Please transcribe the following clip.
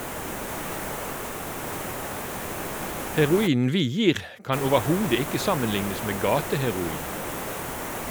Heroinen vi gir, kan overhodet ikke sammenlignes med gateheroin.